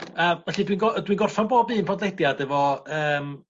Yy felly dwi'n go- dwi'n gorffan bob un bodlediad efo yym